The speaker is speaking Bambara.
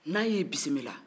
n'a y'i bisimila